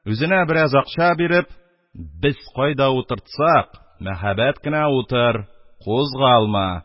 Үзенә бераз акча биреп, без кайда утыртсак, мәһабәт кенә утыр, кузгалма,